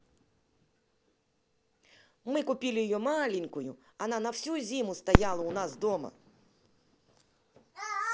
мы купили ее маленькую она на всю зиму стояла у нас дома